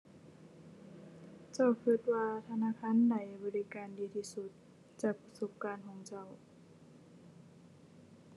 เจ้าคิดว่าธนาคารใดบริการดีที่สุด จากประสบการณ์ของเจ้า